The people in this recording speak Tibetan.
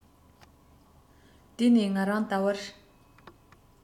དེ ནས ང རང དལ བར